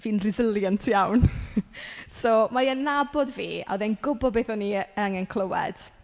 Fi'n resilient iawn so mae e'n nabod fi a oedd e'n gwbod beth o'n i yy angen clywed.